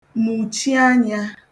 mùchi anyā